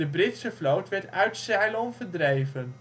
Britse vloot werd uit Ceylon verdreven